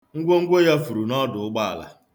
Ngwongwo ya furu n'ọdụ ụgbọala.